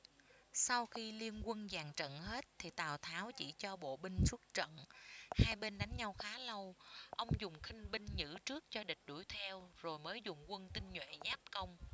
sau khi liên quân dàn trận hết thì tào tháo chỉ cho bộ binh xuất trận hai bên đánh nhau khá lâu ông dùng khinh binh nhử trước cho địch đuổi theo rồi mới dùng quân tinh nhuệ giáp công